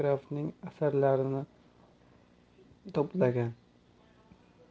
grafning asarlarini to'plagan